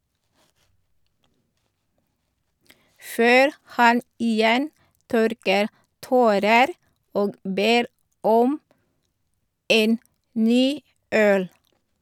Før han igjen tørker tårer og ber om en ny øl.